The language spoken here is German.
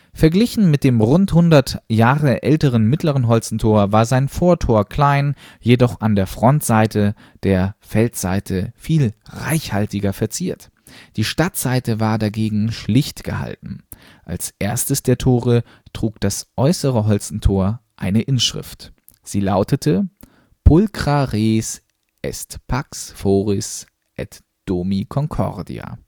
Verglichen mit dem rund hundert Jahre älteren Mittleren Holstentor war sein Vortor klein, jedoch an der Front der Feldseite viel reichhaltiger verziert. Die Stadtseite war dagegen schlicht gehalten. Als erstes der Tore trug das Äußere Holstentor eine Inschrift. Sie lautete: Pulchra res est pax foris et domi concordia